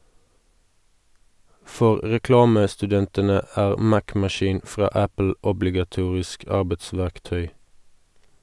For reklamestudentene er Mac-maskin fra Apple obligatorisk arbeidsverktøy.